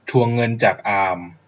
ทวงเงินจากอาม